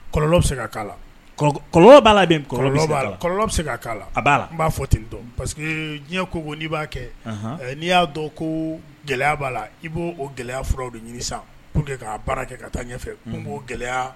Kɔlɔllɔ bɛ se ka k'a la, kɔlɔlɔ b'a la même kɔlɔlɔ b'a la, kɔlɔn bɛ se ka k'a la n b'a fɔ ten parce que diɲɛ ko o ko n'i b'a kɛ n'i b'a dɔn ko gɛlɛya b'a la i b'o o gɛlɛya furaw de ɲini sisan pour que ka baara kɛ ka taa ɲɛfɛ mun b'o gɛlɛya